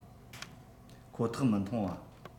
ཁོ ཐག མི འཐུང བ